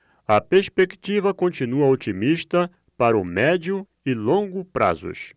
a perspectiva continua otimista para o médio e longo prazos